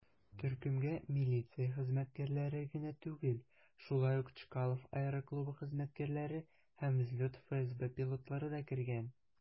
Төркемгә милиция хезмәткәрләре генә түгел, шулай ук Чкалов аэроклубы хезмәткәрләре һәм "Взлет" ФСБ пилотлары да кергән.